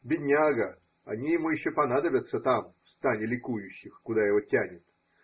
Бедняга, они ему еще понадобятся там. в стане ликующих. куда его тянет.